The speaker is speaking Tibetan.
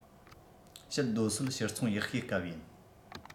བཤད རྡོ སོལ ཕྱིར ཚོང ཡག ཤོས སྐབས ཡིན